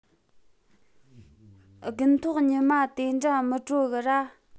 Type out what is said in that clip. དགུན ཐོག ཉི མ དེ འདྲ མི དྲོ གི ར